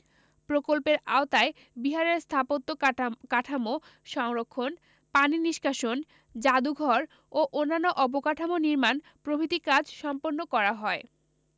প্রকল্পের আওতায় বিহারের স্থাপত্য কাটা কাঠামো সংরক্ষণ পানি নিষ্কাশন জাদুঘর ও অন্যান্য অবকাঠামো নির্মাণ প্রভৃতি কাজ সম্পন্ন করা হয়